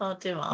O, dim o-...